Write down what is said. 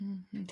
Hmm hmm.